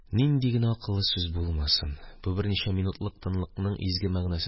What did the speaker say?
Нинди генә акыллы сүз булмасын, бу берничә минутлык тынлыкның изге мәгънәсен